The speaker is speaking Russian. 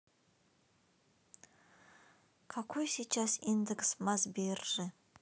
какой сейчас индекс мосбиржи